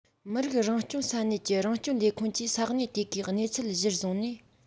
མི རིགས རང སྐྱོང ས གནས ཀྱི རང སྐྱོང ལས ཁུངས ཀྱིས ས གནས དེ གའི གནས ཚུལ གཞིར བཟུང ནས